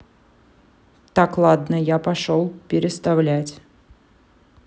так ладно я пошел переставлять